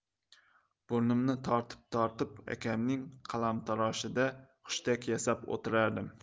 burnimni tortib tortib akamning qalamtaroshida hushtak yasab o'tirardim